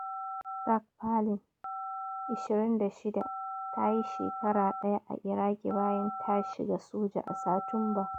Track Palin, 26, ta yi shekara daya a Iraki bayan ta shiga soja a Satumba.